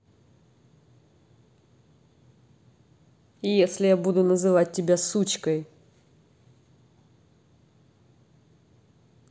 если я буду называть сучкой